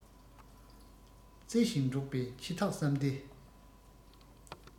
བརྩེ ཞིང འགྲོགས པའི ཕྱི ཐག བསམ སྟེ